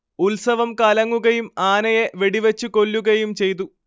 ഉത്സവം കലങ്ങുകയും ആനയെ വെടിവച്ചുകൊല്ലുകയും ചെയ്തു